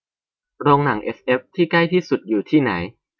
โรงหนังเอสเอฟที่ใกล้ที่สุดอยู่ที่ไหน